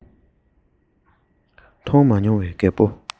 མཐོང མ མྱོང བའི རྒད པོ